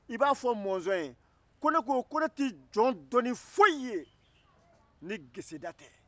i b'a fɔ mɔnzɔn ye ko ne ko ne tɛ jɔn dɔn ni foyi ye ni geseda tɛ